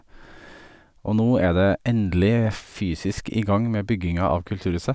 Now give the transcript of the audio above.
Og nå er det endelig fysisk i gang med bygginga av kulturhuset.